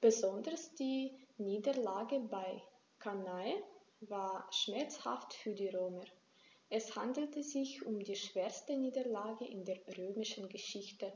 Besonders die Niederlage bei Cannae war schmerzhaft für die Römer: Es handelte sich um die schwerste Niederlage in der römischen Geschichte,